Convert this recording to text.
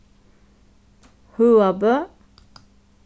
høgabø